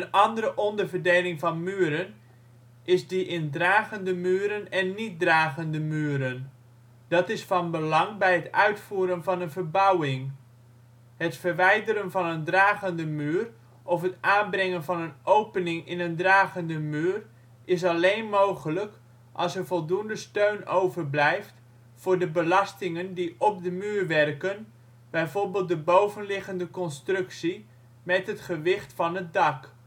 andere onderverdeling van muren is die in dragende muren en niet-dragende muren. Dat is van belang bij het uitvoeren van een verbouwing. Het verwijderen van een dragende muur of het aanbrengen van een opening in een dragende muur is alleen mogelijk als er voldoende steun overblijft voor de belastingen die op de muur werken (bijvoorbeeld de bovenliggende constructie met het gewicht van het dak